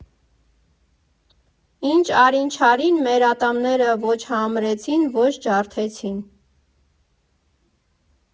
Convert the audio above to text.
Ինչ արին֊չարին՝ մեր ատամները ոչ համրեցին, ոչ ջարդեցին։